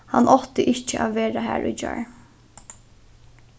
hann átti ikki at vera har í gjár